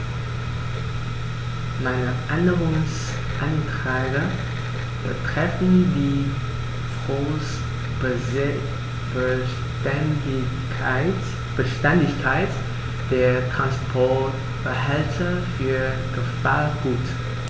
Meine Änderungsanträge betreffen die Frostbeständigkeit der Transportbehälter für Gefahrgut.